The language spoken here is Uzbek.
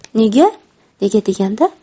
nega nega deganda